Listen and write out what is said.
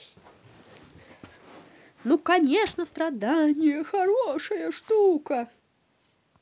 ну конечно страдания хорошая штука